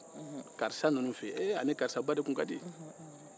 karisa ninnu fɛ yen ee a ni karisa ba de tun ka di